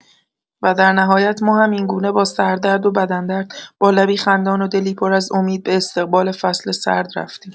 و در نهایت ما هم اینگونه با سردرد و بدن‌درد، با لبی خندان و دلی پر از امید به استقبال فصل سرد رفتیم.